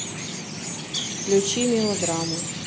включи мелодраму